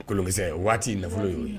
Kolonkisɛ ye waati nafolo y ye ye